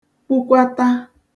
kwukwata